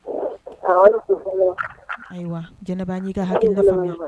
Ayiwa jɛnɛbaa ɲɛ ka hakili faamuya